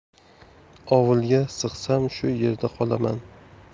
ovulga sig'sam shu yerda qolaman